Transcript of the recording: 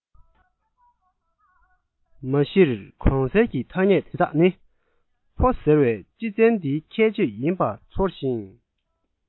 མ གཞིར གོང གསལ གྱི ཐ སྙད དེ དག ནི ཕོ ཟེར བའི སྤྱི མཚན འདིའི ཁྱད ཆོས ཡིན པ ཚོར ཞིང